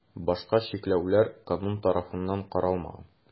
Башка чикләүләр канун тарафыннан каралмаган.